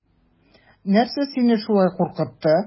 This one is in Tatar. Нәрсә саине шулай куркытты?